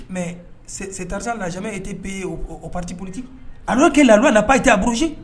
Mais cet argent n'a jamais été payé aux partis politiques, alors que la loi n'a pas été abrogée